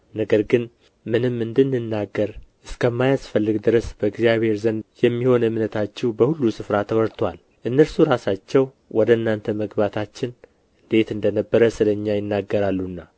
ነገር ግን ምንም እንድንናገር እስከማያስፈልግ ድረስ በእግዚአብሔር ዘንድ የሚሆን እምነታችሁ በሁሉ ስፍራ ተወርቶአል እነርሱ ራሳቸው ወደ እናንተ መግባታችን እንዴት እንደነበረ ስለ እኛ ይናገራሉና